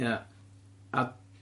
Ia a